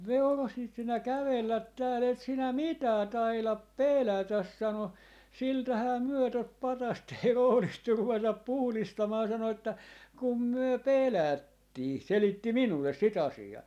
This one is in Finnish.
veurosit sinä kävellä täällä et sinä mitään taida pelätä sanoi siltähän me tuota patsasta ei rohdittu ruveta puhdistamaan sanoi että kun me pelättiin selitti minulle sitä asiaa